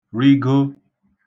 rịgo